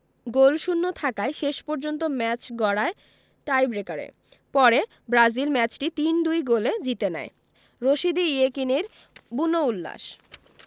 গোলশূন্য থাকায় শেষ পর্যন্ত ম্যাচ গড়ায় টাইব্রেকারে পরে ব্রাজিল ম্যাচটি ৩ ২ গোলে জিতে নেয় রশিদী ইয়েকিনীর বুনো উল্লাস